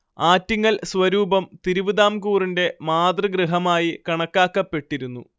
ആറ്റിങ്ങൽ സ്വരൂപം തിരുവിതാംകൂറിന്റെ മാതൃഗൃഹമായി കണക്കാക്കപ്പെട്ടിരുന്നു